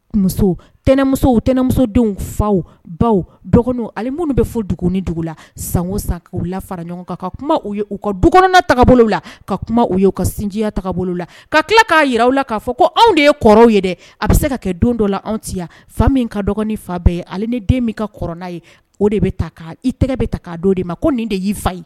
Tmuso tmusodenw faw baw dɔgɔninw minnu bɛ fɔ dugu dugu la san sa la fara ɲɔgɔn kan ka kuma u y ye u ka dukɔrɔnna la ka kuma u ye u ka sinjiya la ka tila k'a jira u la k'a fɔ ko anw de ye kɔrɔw ye dɛ a bɛ se ka kɛ don dɔ la anw ciya fa min ka dɔgɔni fa bɛɛ ye hali ni den min ka kɔrɔn ye o de bɛ ta i tɛgɛ bɛ ta' don de ma ko nin de y'i fa ye